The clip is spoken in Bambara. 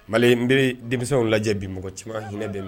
Mali nb denmisɛnw lajɛ bi mɔgɔ caman ɲin bɛn